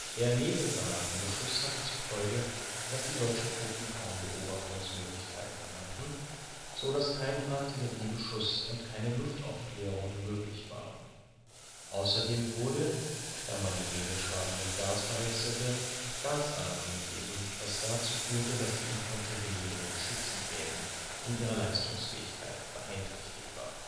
Der Nebelgranatenbeschuss hatte zu Folge, dass die deutschen Truppen kaum Beobachtungsmöglichkeiten hatten, so dass kein Artilleriebeschuss und keine Luftaufklärung möglich waren. Außerdem wurde, da man die Nebelschwaden mit Gas verwechselte, Gasalarm gegeben, was dazu führte, dass die Infanterie in den Schützengräben in ihrer Leistungsfähigkeit beeinträchtigt war